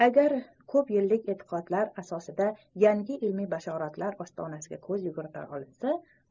agar ko'p yillik tadqiqotlar asosida yangi ilmiy bashoratlar ostonasiga ko'z yugurtira olinsa